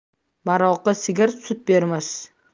ma'roqi sigir sut bermas